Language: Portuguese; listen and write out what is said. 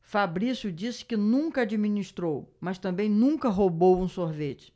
fabrício disse que nunca administrou mas também nunca roubou um sorvete